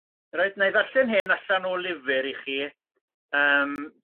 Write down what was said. Reit na'i ddarllen hyn allan o lyfyr i chi yym